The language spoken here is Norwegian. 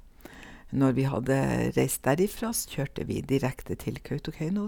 Når vi hadde reist derifra, så kjørte vi direkte til Kautokeino.